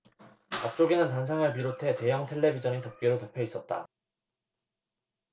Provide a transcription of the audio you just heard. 앞쪽에는 단상을 비롯해 대형 텔레비전이 덮개로 덮여있었다